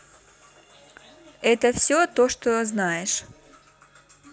это все то что знаешь